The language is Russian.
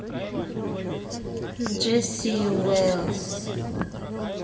джесси уэлс